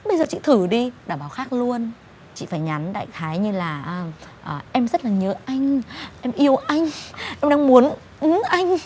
bây giờ chị thử đi đảm bảo khác luôn chị phải nhắn đại khái như là á ờ em rất là nhớ anh em yêu anh em đang muốn ứ anh